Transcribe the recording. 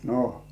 no